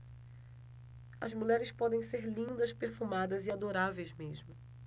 as mulheres podem ser lindas perfumadas e adoráveis mesmo